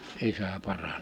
isä paranemaan